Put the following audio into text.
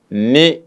Min